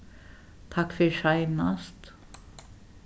takk fyri seinast